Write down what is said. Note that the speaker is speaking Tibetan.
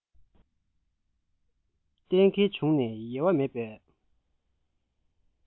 གཏན ཁེལ བྱུང ནས ཡལ བ མེད པའི